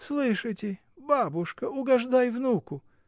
— Слышите: бабушка угождай внуку!